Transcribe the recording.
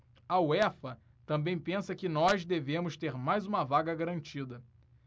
a uefa também pensa que nós devemos ter mais uma vaga garantida